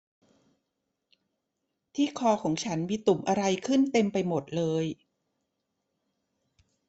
ที่คอของฉันมีตุ่มอะไรขึ้นเต็มไปหมดเลย